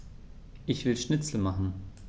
Ich will Schnitzel machen.